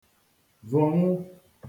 vụ̀nwu